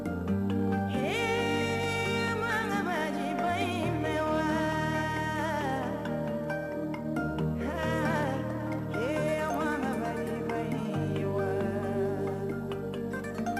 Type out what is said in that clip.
Nk wa den wa min wa yo wa wa wa